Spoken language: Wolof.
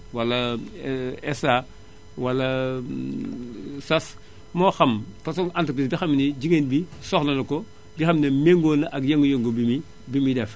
wala % SA wala SAS moo xam façon entreprise bi xam ne nii jigéen bi soxla na ko ji nga xam ne mengoo na ak yëngu-yëngu bi muy bi muy def